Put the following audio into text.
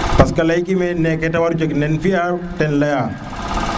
parce que ley kime nen ten war jeg nen fiya ten leya